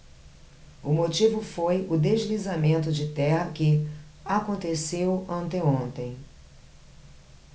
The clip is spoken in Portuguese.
o motivo foi o deslizamento de terra que aconteceu anteontem